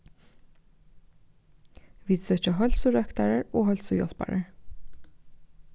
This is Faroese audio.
vit søkja heilsurøktarar og heilsuhjálparar